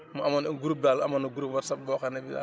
mu amoon un groupe daal amoon na groupe whatsapp boo xam ne bi daal moom